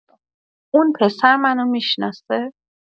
اون پسر منو می‌شناسه؟